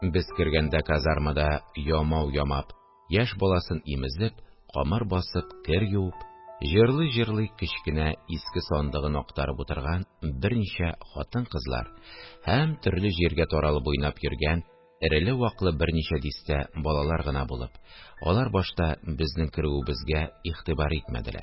Без кергәндә, казармада ямау ямап, яшь баласын имезеп, камыр басып, кер юып, җырлый-җырлый кечкенә иске сандыгын актарып утырган берничә хатын-кызлар һәм төрле җиргә таралып уйнап йөргән эреле-ваклы берничә дистә балалар гына булып, алар башта безнең керүебезгә игътибар итмәделәр